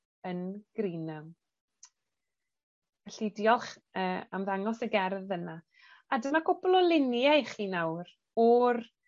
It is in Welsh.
yn Greenham. Felly diolch yy am ddangos y gerdd yna a dyma cwpl o lunie i chi nawr o'r